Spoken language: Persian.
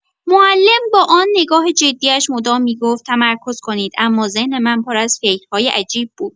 معلم با آن نگاه جدی‌اش مدام می‌گفت تمرکز کنید، اما ذهن من پر از فکرهای عجیب بود.